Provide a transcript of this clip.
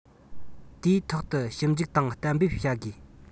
དུས ཐོག ཏུ ཞིབ འཇུག དང གཏན འབེབས བྱ དགོས